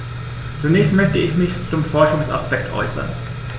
Zunächst möchte ich mich zum Forschungsaspekt äußern.